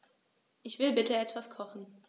Ich will bitte etwas kochen.